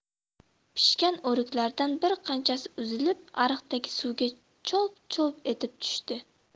pishgan o'riklardan bir qanchasi uzilib ariqdagi suvga cho'lp cho'lp etib tushdi